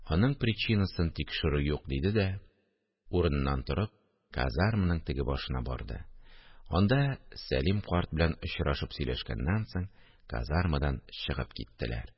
Аның причинасын тикшерү юк! – диде дә, урыныннан торып, казарманың теге башына барды, анда Сәлим карт белән очрашып сөйләшкәннән соң, казармадан чыгып киттеләр